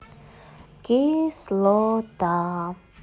кислота